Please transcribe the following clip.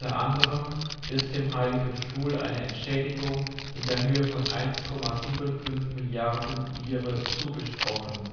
anderem wird dem Heiligen Stuhl eine Entschädigung in der Höhe von 1,75 Milliarden Lire zugesprochen